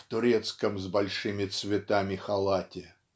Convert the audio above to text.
в турецком с большими цветами халате".